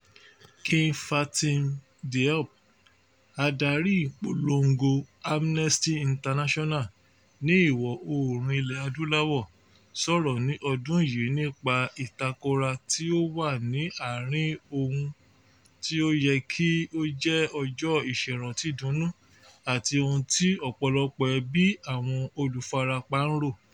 Kiné-Fatim Diop, adarí ìpolongo Amnesty International ní Ìwọ̀-oòrùn Ilẹ̀-Adúláwọ̀, sọ̀rọ̀ ní ọdún yìí nípa ìtakora tí ó wà ní àárín ohun tí ó yẹ kí ó jẹ́ ọjọ́ ìṣèrántí-dunnú àti ohun tí ọ̀pọ̀lọpọ̀ ẹbí àwọn olùfarapa ń rò: